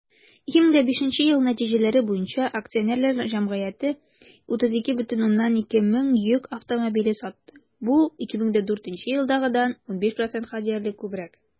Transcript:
2005 ел нәтиҗәләре буенча акционерлар җәмгыяте 32,2 мең йөк автомобиле сатты, бу 2004 елдагыдан 15 %-ка диярлек күбрәк.